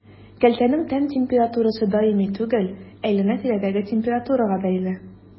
Кәлтәнең тән температурасы даими түгел, әйләнә-тирәдәге температурага бәйле.